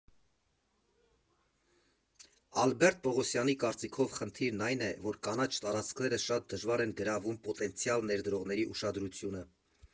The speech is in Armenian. Ալբերտ Պողոսյանի կարծիքով խնդիրն այն է, որ կանաչ տարածքները շատ դժվար են գրավում պոտենցիալ ներդրողների ուշադրությունը.